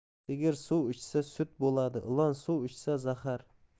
sigir suv ichsa sut bo'ladi ilon suv ichsa zahar